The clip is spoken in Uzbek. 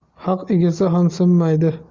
haq egilsa ham sinmaydi